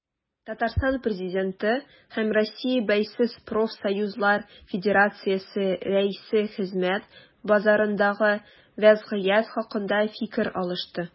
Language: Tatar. Татарстан Президенты һәм Россия Бәйсез профсоюзлар федерациясе рәисе хезмәт базарындагы вәзгыять хакында фикер алышты.